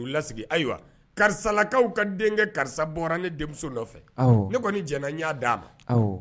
Ko lasigi, ayiwa, karisalakaw ka denkɛ karisa bɔra ne denmuso nɔfɛ, awɔ, ne kɔnni jɛna n y'a d'a ma, awɔ.